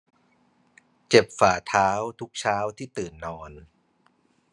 เจ็บฝ่าเท้าทุกเช้าที่ตื่นนอน